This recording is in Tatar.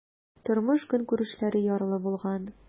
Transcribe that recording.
Тормыш-көнкүрешләре ярлы булган.